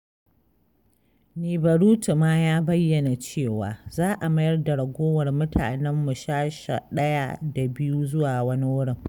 Nibarutu ma ya bayyana cewa, za a mayar da ragowar mutanen Mushasha I da II zuwa wani wurin.